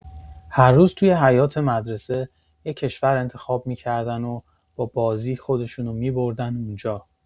هر روز توی حیاط مدرسه، یه کشور انتخاب می‌کردن و با بازی خودشونو می‌بردن اونجا.